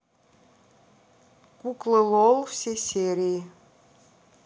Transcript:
куклы лол все серии